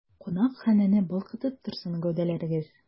Кунакханәне балкытып торсын гәүдәләрегез!